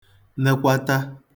nekwata